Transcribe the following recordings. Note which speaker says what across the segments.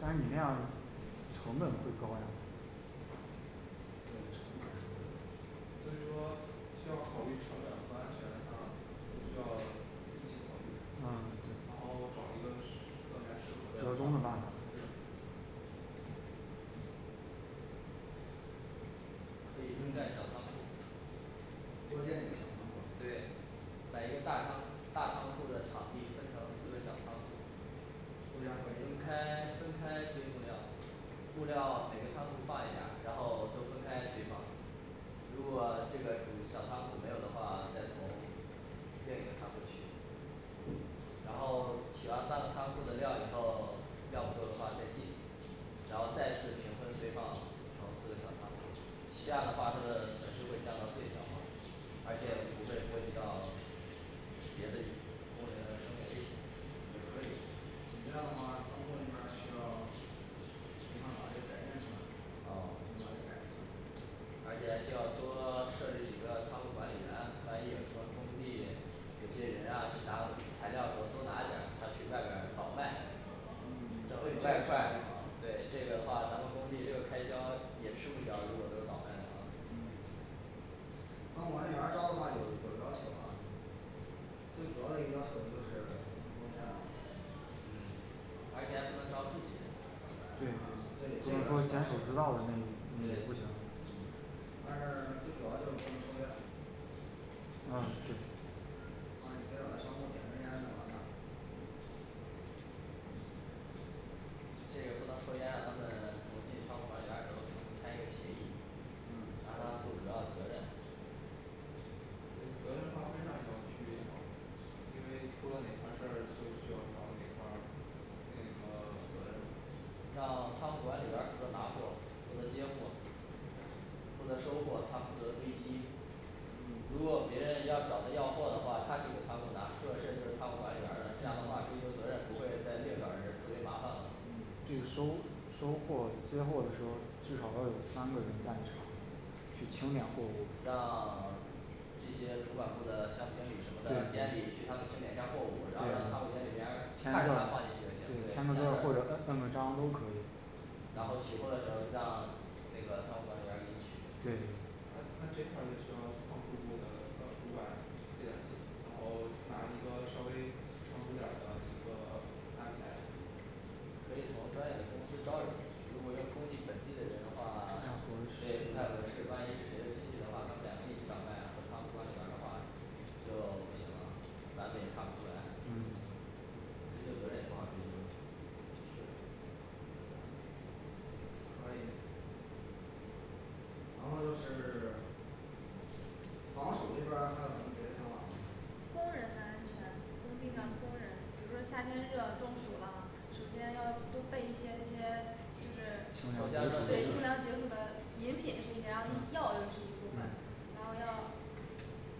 Speaker 1: 但是你那样儿成本会高呀
Speaker 2: 所以说既要考虑成本还要
Speaker 1: 嗯
Speaker 2: 然后找一个适更加适合的
Speaker 1: 折中的办法
Speaker 3: 可以分盖小仓库
Speaker 4: 租赁小仓库
Speaker 3: 对把一个大仓大仓库的场地分成四个小仓库
Speaker 2: 不一样
Speaker 3: 公
Speaker 2: 的
Speaker 3: 开分开堆木料木料 每个仓库放一点儿然后都分开堆放如果这个主小仓库没有的话，再从另一个仓库取然后 取完三个仓库的料以后， 料不够的话再进然后再次堆放成四个小仓库这样的话，它的损失会降到最小而且不会波及到 别的工人的生命危险
Speaker 4: 可以你这样的话仓库那边儿需要 需要哪些改变呢哪
Speaker 3: 啊
Speaker 4: 些改变呢
Speaker 3: 而且还需要多 设置几个仓库管理员，万一有什么工地有些人啊去拿材料儿的时候多拿点儿，他去外边儿倒卖挣嘞
Speaker 4: 嗯
Speaker 3: 外快对这个的话咱们工地这个开销也吃不消，如果都倒卖的话
Speaker 4: 嗯仓库管理员儿招的话有有要求吗最主要的一个要求就是不抽烟
Speaker 3: 嗯而且还不能招自己人
Speaker 4: 对对不
Speaker 5: 对
Speaker 4: 能招咱所知道的那那也不行
Speaker 3: 对
Speaker 4: 呃 最主要就是不能抽烟的
Speaker 3: 啊是
Speaker 4: 不然相互点根儿烟就完了
Speaker 3: 这个不能抽烟，让他们 仓库管理员儿的时候给他们签一个协议让
Speaker 4: 嗯
Speaker 3: 他负主要责任
Speaker 2: 责责任划分上也要区别好因为出了什么事儿就需要找哪块儿就那个 责任
Speaker 3: 让 仓库管理员儿负责拿货，负责接货，负责收货，还负责堆积
Speaker 2: 嗯
Speaker 3: 如果别人要找他要货的话，他去给仓库拿出了事儿，就是仓库管理员儿的，这样的话追究责任不会再另找人儿，特别麻烦了
Speaker 1: 嗯这个收收货最后的时候至少要有三个人在场去清点货物
Speaker 3: 让 这些主管部的项目经理什么的监理去他们清点一下儿货物然后让
Speaker 1: 对
Speaker 3: 仓库监
Speaker 1: 对
Speaker 3: 理员儿看着他放进去就行对
Speaker 1: 对签
Speaker 3: 签
Speaker 1: 个字
Speaker 3: 字
Speaker 1: 儿或者摁
Speaker 3: 儿
Speaker 1: 摁个章都可以
Speaker 3: 然后取货的时候让 那个仓库管理员儿给你取
Speaker 1: 对
Speaker 2: 啊那这块儿就需要靠自己的呃主管然后把那个稍微成熟点儿的一个 安排
Speaker 3: 可以从专业的公司招人，如果用工地本地的人的
Speaker 1: 不
Speaker 3: 话
Speaker 1: 太合 适
Speaker 3: 对不太合适，万一是谁的亲戚的话，他们两个一起怎么办呀和仓库管理员儿的话就 不行了。咱们也看不出来
Speaker 1: 嗯，
Speaker 3: 追究责任也不好追究
Speaker 4: 可以然后是 防暑这边儿还有什么别的想法儿吗
Speaker 6: 工人的安全，尤其咱们工人，比如说夏天热中暑了首先要多备一些这些 就是清
Speaker 1: 清
Speaker 3: 藿
Speaker 1: 凉
Speaker 3: 香
Speaker 1: 解暑
Speaker 3: 正
Speaker 1: 的
Speaker 3: 气
Speaker 1: 嗯
Speaker 3: 水
Speaker 6: 凉
Speaker 3: 儿
Speaker 6: 解暑的饮品这些然后药是一部分然后要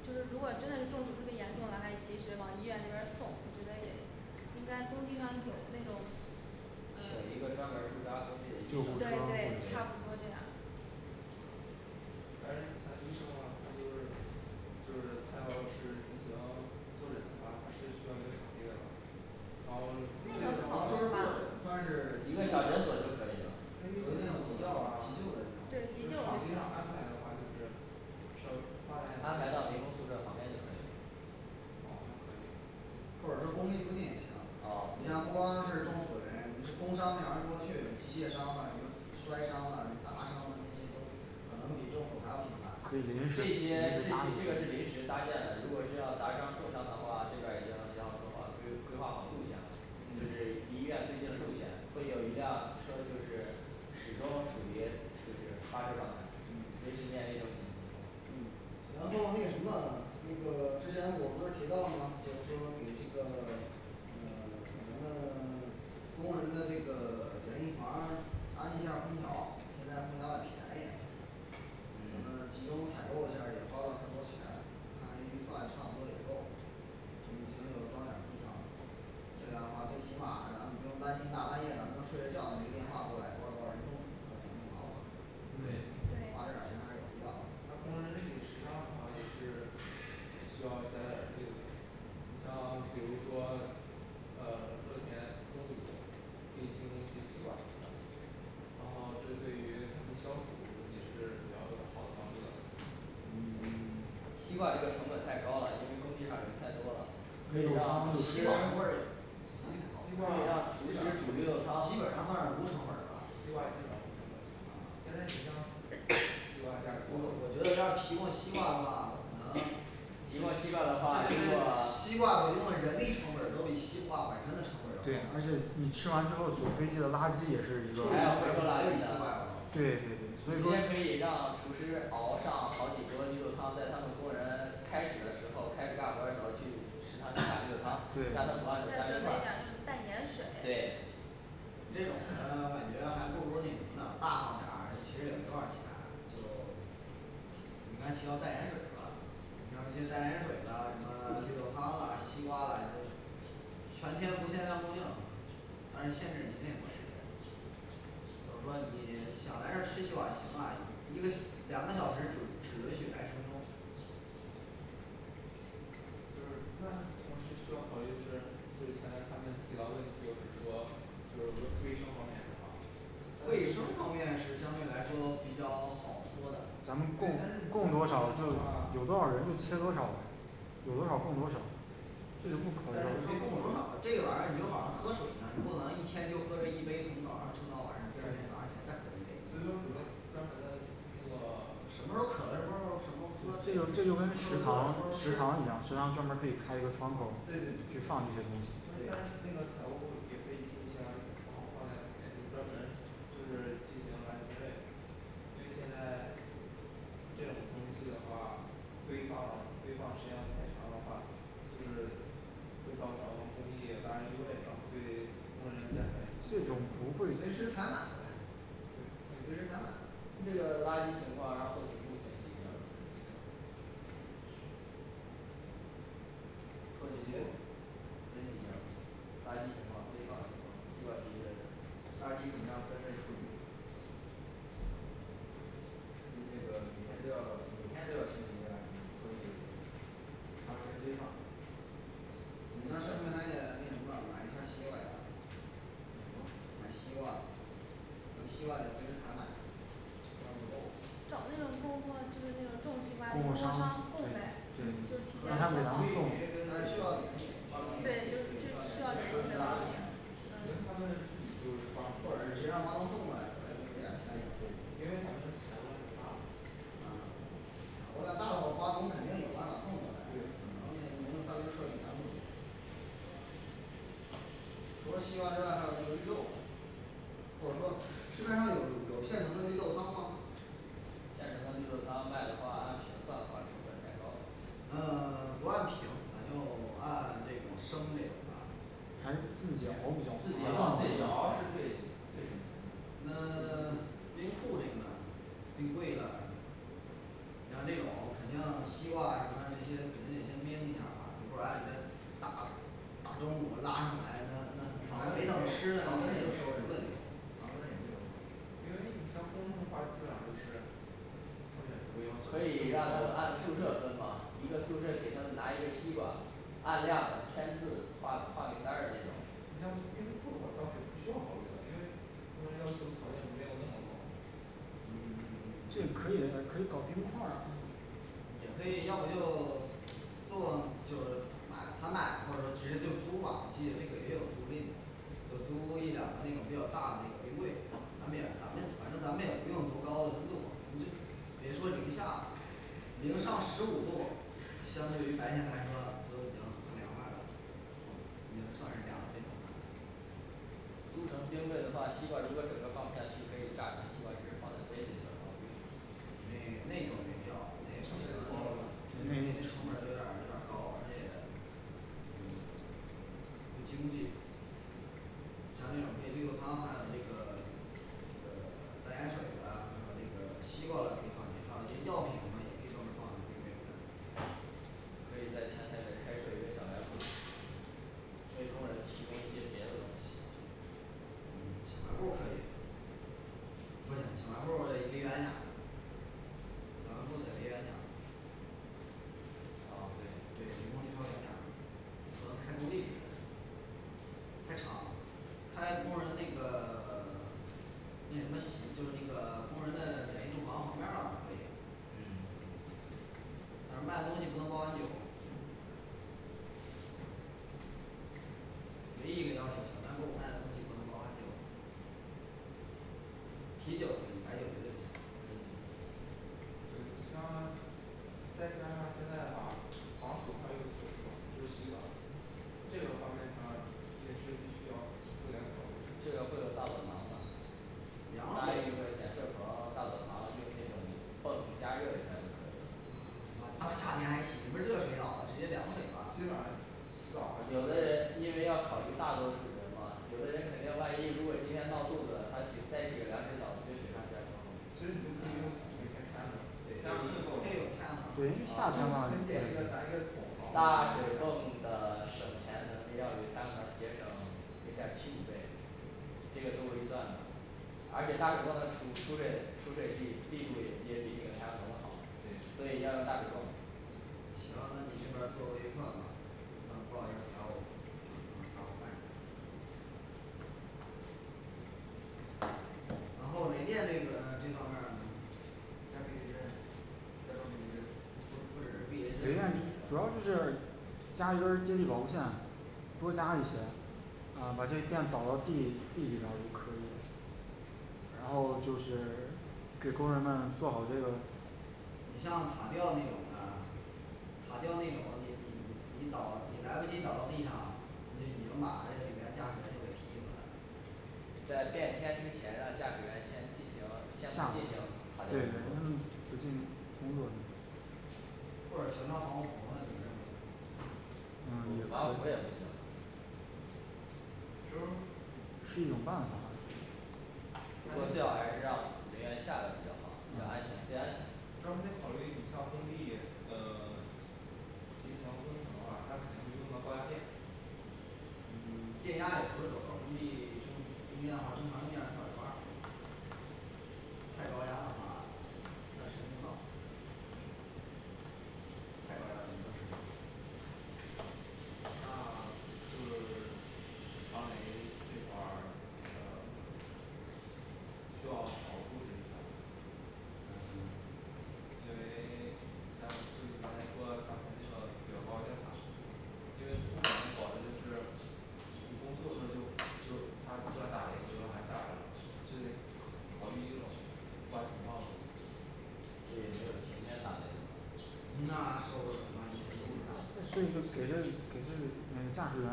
Speaker 6: 就是如果真的是中暑特别严重的，还及时往医院那边儿送这边儿也一般工地上有那种呃
Speaker 3: 选一个专门儿驻扎工地的医
Speaker 1: 救
Speaker 3: 护
Speaker 1: 护车
Speaker 6: 对对
Speaker 3: 车
Speaker 6: 差不多这样
Speaker 2: 但是你前期说的他就是就是他要是可能是需要一个小时然后
Speaker 6: 这个
Speaker 2: 就是
Speaker 6: 不好弄吧
Speaker 5: 算是
Speaker 3: 一个小诊所就可以了
Speaker 5: 药啊急救的这个
Speaker 6: 对急救
Speaker 5: 场地上
Speaker 6: 的
Speaker 5: 安排的话就是需要大
Speaker 3: 安排
Speaker 5: 概
Speaker 3: 到民工宿舍旁边就可以了
Speaker 4: 或者说工地附近也行你
Speaker 3: 啊
Speaker 4: 像不
Speaker 3: 对
Speaker 4: 光是中暑嘞工伤呀多了去了机械伤啊什么摔伤啦什么砸伤了这些都可能比中暑还要困难
Speaker 1: 可以临时临时
Speaker 3: 这些这这这个是临
Speaker 1: 搭建些
Speaker 3: 时搭建的，如果是要砸伤受伤的话，这边儿已经写好策划规规划好路线了就是离医院最近的路线会有一辆车就是始终处于就是发车状态随时面临一种紧急情况
Speaker 4: 嗯然后那什么那个之前我不是提到了吗？就是说给这个 嗯 咱们 工人的这个 简易房安一下儿空调现在空调也便宜嗯
Speaker 3: 嗯
Speaker 4: 集中采购一下儿也花不了多钱把这一换差不多也够行就装点儿空调这样的话最起码咱们不用担心大半夜咱们正睡着觉呢，一个电话过来多少多少人中暑了怎么怎么着的
Speaker 7: 嗯
Speaker 4: 对
Speaker 7: 对
Speaker 4: 花点儿钱还是有必要的
Speaker 2: 咱不能其他的话是需要再嗯像比如说呃热天可以有可以提供一些西瓜然后这对于他们消暑 也是 很好的一个
Speaker 3: 嗯 西瓜这个成本太高了，因为工地上人太多了，可以让厨
Speaker 4: 不西
Speaker 3: 师
Speaker 4: 瓜不会 它那个什么
Speaker 3: 可
Speaker 4: 西
Speaker 3: 以
Speaker 4: 瓜
Speaker 3: 让 厨
Speaker 4: 基本
Speaker 3: 师
Speaker 4: 上
Speaker 3: 煮绿
Speaker 4: 基
Speaker 3: 豆
Speaker 4: 本
Speaker 3: 汤
Speaker 4: 上它是无成本儿的西瓜基本上无成本啊
Speaker 5: 现在基本上西 瓜价格
Speaker 1: 不不不我觉得要提供西瓜的话可能
Speaker 3: 提供西瓜的话
Speaker 5: 其
Speaker 3: 这
Speaker 5: 实
Speaker 3: 个
Speaker 5: 西瓜所用的人力成本儿都比西瓜本身的成本儿要
Speaker 1: 对
Speaker 5: 高
Speaker 1: 而且你吃完之后所堆积的垃圾也是一个
Speaker 3: 还要回收垃圾的
Speaker 1: 对对
Speaker 3: 你
Speaker 1: 对所
Speaker 3: 直
Speaker 1: 以说
Speaker 3: 接可以让厨师熬上好几锅绿豆汤在他们工人 开始的时候开始干活儿的时候去食堂打打绿豆汤让他们
Speaker 1: 对
Speaker 3: 往里头加
Speaker 6: 再准备点儿
Speaker 3: 冰
Speaker 6: 那个
Speaker 3: 块
Speaker 6: 淡
Speaker 3: 儿
Speaker 6: 盐
Speaker 3: 对
Speaker 6: 水
Speaker 1: 对
Speaker 4: 你这种的 感觉还不如那什么呢大方点儿其实也没多少钱也就 你们需要淡盐水儿是吧你像一些淡盐水的什么 绿豆汤啊西瓜了是全天不限量供应但是限制你那什么时间就是说你想来这儿吃西瓜行啊你一个两个小时只只允许来十分钟
Speaker 2: 就是那同时需要考虑就是之前咱们聊得就是说就是说卫生方面的话那
Speaker 4: 卫生方面是相对来说比较好说的
Speaker 5: 卫生这一块
Speaker 1: 咱们
Speaker 5: 儿
Speaker 1: 供供多少就有多少人就切多少呗有多少供多少
Speaker 3: 供多少了这个玩意儿你就好像喝水，你不能一天就喝这一杯，从早上撑到晚上第二天早上你再喝一杯
Speaker 4: 什么时候儿渴了什么
Speaker 1: 这
Speaker 4: 时候
Speaker 1: 这就
Speaker 4: 儿
Speaker 1: 跟
Speaker 4: 什么
Speaker 1: 食
Speaker 4: 时
Speaker 1: 堂
Speaker 4: 候儿
Speaker 1: 食
Speaker 4: 喝跟
Speaker 1: 堂一
Speaker 4: 什
Speaker 1: 样
Speaker 4: 么
Speaker 1: 食
Speaker 4: 儿
Speaker 1: 堂专
Speaker 4: 时
Speaker 1: 门儿可
Speaker 4: 候
Speaker 1: 以
Speaker 4: 饿
Speaker 1: 开一
Speaker 4: 了
Speaker 1: 个
Speaker 4: 什
Speaker 1: 窗
Speaker 4: 么
Speaker 1: 口儿
Speaker 4: 时候儿
Speaker 1: 去
Speaker 4: 吃对
Speaker 1: 放这
Speaker 4: 对
Speaker 1: 些东
Speaker 4: 对对
Speaker 1: 西
Speaker 2: 就是进行了这些 这种东西的话堆放堆放时间太长的话就是
Speaker 4: 会造成工地垃圾对工人干
Speaker 1: 这
Speaker 4: 涉
Speaker 1: 种不会
Speaker 3: 这个垃圾情况让后勤部跟进一下儿后勤部跟进一下垃圾情况堆放西瓜皮之类的
Speaker 5: 这些垃圾怎样分类处理那个每天都要每天都要清理一下垃圾当时堆放
Speaker 4: 你们那儿是不是还得那什么买一箱西瓜呀
Speaker 5: 嗯买西瓜那西瓜也没人拿西瓜不够
Speaker 4: 找那个供货就是送西瓜的
Speaker 3: 供货
Speaker 4: 供销商
Speaker 3: 商
Speaker 4: 送呗
Speaker 3: 对
Speaker 7: 就提
Speaker 1: 对
Speaker 7: 前
Speaker 1: 让他给咱
Speaker 4: 必须
Speaker 1: 送
Speaker 4: 是那儿需要免
Speaker 7: 对就是需需要免费的就嗯
Speaker 4: 或者是直接让他们送过来嗯
Speaker 5: 因为咱们采购量比较大嘛
Speaker 4: 啊我量大了我瓜农肯定有办法送过来&对&可能人人家到时候彻底能除了西瓜之外还有什么绿豆或者说市面儿上有有现成的绿豆汤吗
Speaker 3: 现成的绿豆汤卖的话按瓶算的话成本太高了
Speaker 4: 呃 不按瓶咱就 按这个升这什么的
Speaker 1: 还是自己熬比较
Speaker 3: 自己
Speaker 1: 好
Speaker 3: 熬
Speaker 5: 自
Speaker 3: 最
Speaker 5: 己熬是最最省钱
Speaker 4: 那 冰库这个呢定做一个吧那这种 肯定西瓜什么的这些肯定得先冰一下儿吧不然你这大 大中午的拉上来那那
Speaker 3: 没法吃了那
Speaker 2: 没法
Speaker 3: 就
Speaker 2: 吃了就因为你像公众号儿基本上就是
Speaker 3: 可以让他们按宿舍嘛分发一个宿舍给他们拿一个西瓜按量的签字画画名单儿的那种
Speaker 4: 嗯
Speaker 1: 这个可以可以搞冰块儿啊
Speaker 4: 也可以要不就 做就买他那或者说直接就租嘛我记得这个也有租赁的就多租一两个那种比较大的那个冰柜，咱们也反正反正咱们也不用多高的温度，你就比如说零下了零上十五度相对于白天来说都是比较呃凉快了已经算是凉的那种的
Speaker 3: 租成冰柜的话西瓜如果整个放不下去可以榨成西瓜汁放在杯子里边儿然后冰
Speaker 4: 那那个没必要那就足够了那成本儿有点儿有点儿高了而且嗯
Speaker 5: 不经济
Speaker 4: 咱那种可以绿豆汤还有这个 这个 淡盐水的还有这个 西瓜的地方还有些药品的有地方放这些东西呗
Speaker 3: 可以在前台再开设一个小卖部儿为工人提供一些别的东西
Speaker 4: 嗯小卖部儿可以不是小卖部儿 得离远点儿小卖部儿得离远点儿
Speaker 3: 啊对
Speaker 4: 对离工地稍远点不能开工地里边儿开厂开工人那个 那什么洗 就是那个工人的啊可以
Speaker 3: 嗯
Speaker 4: 啊卖的东西不能包含酒唯一一个要求小卖部卖的东西不能包含酒啤酒可以白酒肯定不行
Speaker 3: 嗯
Speaker 2: 我觉得其他 再加上现在的话防暑还有一点就是洗澡这个方面它也是必须要对工人保证的
Speaker 3: 这个会有大澡堂子
Speaker 4: 凉
Speaker 3: 搭一个简
Speaker 4: 水
Speaker 3: 设棚大澡堂用哪种泵加热一下就可以了
Speaker 4: 啊大夏天还洗什么热水澡啊直接凉水吧这边儿洗澡
Speaker 3: 有的人因为要考虑大多数情况，有的人肯定万一如果今天闹肚子了，他洗再洗个凉水澡不就雪上加霜了
Speaker 1: 对因为夏天嘛
Speaker 3: 大水泵的省钱能力要比太阳能节省零点儿七五倍这个做过预算的而且大水泵的储储水储水力力度也也比那个太阳能的好&对&所以要用大水泵
Speaker 4: 行那你那边儿做个预算吧预算报给财务呃让我看下儿然后雷电这个呢这方面儿呢
Speaker 5: 下雨时
Speaker 2: 安上避
Speaker 5: 不
Speaker 2: 雷针
Speaker 5: 不只是
Speaker 1: 雷电
Speaker 5: 避
Speaker 1: 主要就
Speaker 5: 雷
Speaker 1: 是
Speaker 5: 针
Speaker 1: 加一根儿接地保护线，多加一些，啊把这电导到地地里头就可以然后就是 给工人们做好这个
Speaker 4: 你像塔吊那种的塔吊这种你 你导你来不及导到地上就已经把这个里边驾驶员就给劈死了
Speaker 3: 在变天之前让驾驶员先进行先不进行塔吊
Speaker 1: 对对
Speaker 3: 工
Speaker 1: 让他们
Speaker 3: 作
Speaker 1: 不进行工作就
Speaker 4: 或者全穿防护服呢
Speaker 3: 防
Speaker 1: 嗯
Speaker 3: 护服也不行
Speaker 1: 是一种办法
Speaker 3: 不过最好还是让人员下来比较好，比较安全
Speaker 1: 嗯
Speaker 3: 最安全
Speaker 2: 主要没考虑你下工地呃 进行了工程的话，它可能会用到高压电
Speaker 4: 嗯 电压也不是多高功率 正正常太高压的话暂时用不到，太高压咱们暂时用不到
Speaker 2: 那 就是 需要保护自己因为 刚才不是刚才说了车比较高点儿吗因为工人保证就是所以防御这种突发情况
Speaker 3: 这也没有晴天打雷啊
Speaker 4: 那说不准万一真
Speaker 1: 啊所
Speaker 4: 晴
Speaker 1: 以
Speaker 4: 天打雷
Speaker 1: 说给他给他每个驾驶员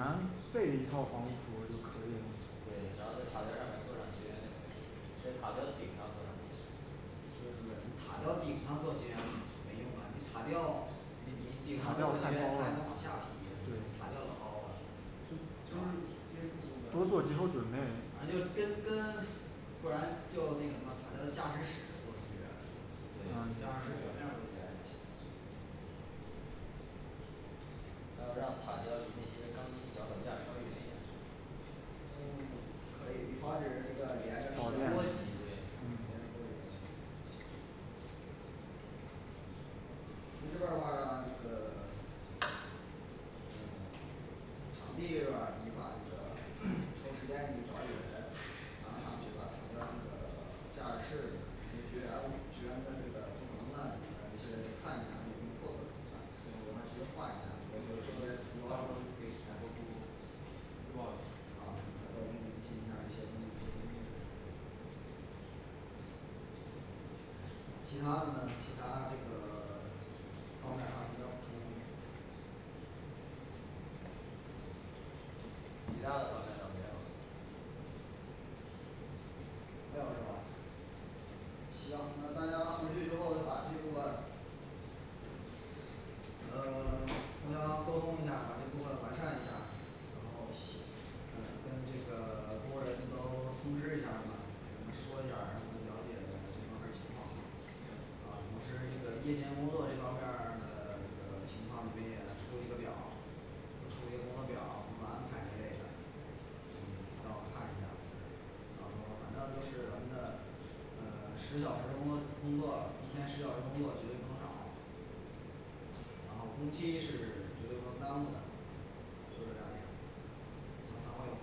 Speaker 1: 备一套防护服就可以
Speaker 3: 对只要
Speaker 1: 了
Speaker 3: 在塔吊上面做上绝缘就可以了在塔吊顶上做上绝缘
Speaker 4: 就是你塔吊顶上做绝缘没用啊你塔吊 你你你它还能往下劈塔吊
Speaker 1: 塔吊太高了对多做几手准备
Speaker 4: 反正就跟跟 不然就那什么塔吊驾驶室做成绝缘嗯当
Speaker 3: 对
Speaker 4: 然它表面儿都是绝缘体
Speaker 3: 还有让塔吊离那些钢筋脚手架儿稍远一点儿
Speaker 4: 嗯 可以防止那个连着
Speaker 3: 多极对
Speaker 1: 嗯对
Speaker 4: 你这边儿的话 这个 嗯 场地这边儿你们把这个 抽时间你们找几个人然后上去把塔吊那个 驾驶室那些绝缘绝缘的那个看一下其他的呢其他的这个 方面儿还有什么要补充的吗
Speaker 3: 其他的倒没什么事儿
Speaker 4: 没有了是吧行那大家回去之后就把这部分呃 互相沟通一下儿把这部分完善一下儿然后写 呃跟这个 工人都通知一下儿吧给他们说一下儿让他们了解 这方面儿情况啊同时这个夜间操作这方面儿 的 这个情况你们也出一个表儿出个工作表儿或安排之类的嗯 让我看一下到时候反正就是咱们的呃 十小时的工作工作一天十小时的工作绝对不能少然后工期是 绝对不能耽误的就这两点儿行散会吧